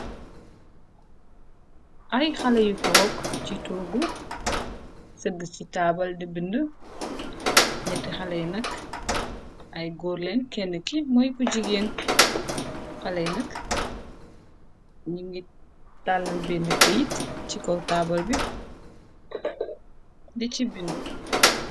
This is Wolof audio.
Ay xalé yu toog ci tuogu, sëgg ci taabal di bind, ñetti xaley nak ay góorleen kenn ki mooy ko jigéen, xaley nak ñi ngi tàlal binn kayit ci kow taabal bi, di ci bind.